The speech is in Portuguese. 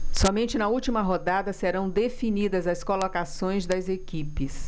somente na última rodada serão definidas as colocações das equipes